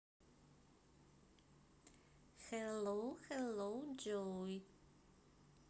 hello hello joy